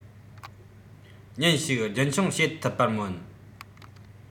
ཉིན ཞིག རྒྱུན འཁྱོངས བྱེད ཐུབ པར སྨོན